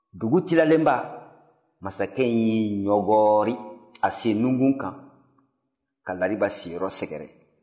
dugutilalenba masakɛ in y'i ɲɔgɔri a sennunkun kan ka lariba siyɔrɔ sɛgɛrɛ